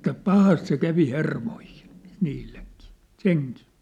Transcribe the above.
että pahasti se kävi hermoihin niillekin sekin